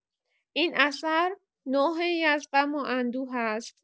این اثر، نوحه‌ای از غم و اندوه است.